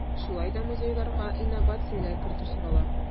Шулай да музейларга инновацияләр кертү сорала.